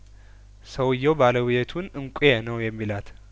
ሰውዬው ባለቤቱን እንቋ ነው የሚላት